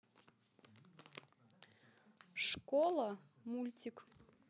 школа мультик